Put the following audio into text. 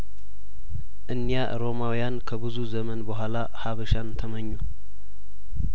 እኒያ ሮማውያን ከብዙ ዘመን በኋላ ሀበሻን ተመኙ